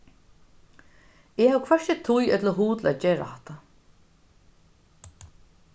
eg havi hvørki tíð ella hug til at gera hatta